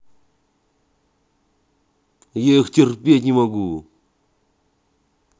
я их терпеть не могу